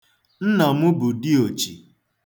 Nna m bụ diochi.